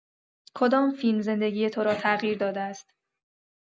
کدام فیلم زندگی تو را تغییر داده است؟